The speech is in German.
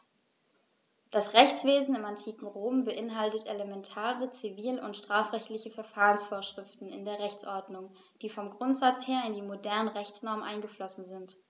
Das Rechtswesen im antiken Rom beinhaltete elementare zivil- und strafrechtliche Verfahrensvorschriften in der Rechtsordnung, die vom Grundsatz her in die modernen Rechtsnormen eingeflossen sind.